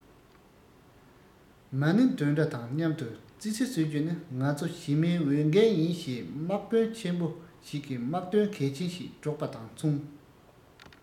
མ ཎི འདོན སྒྲ དང མཉམ དུ ཙི ཙི གསོད རྒྱུ ནི ང ཚོ ཞི མིའི འོས འགན ཡིན ཞེས དམག དཔོན ཆེན པོ ཞིག གིས དམག དོན གལ ཆེན ཞིག སྒྲོག པ དང མཚུངས